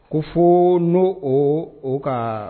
Ko fo n'o o o ka